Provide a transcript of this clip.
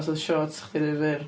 Os oedd siorts chdi'n rhy fyr.